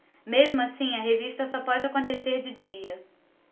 mesmo assim a revista só pode acontecer de dia